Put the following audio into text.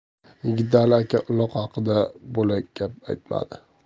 yigitali aka uloq haqida bo'lak gap aytmadi